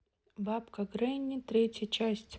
бабка гренни третья часть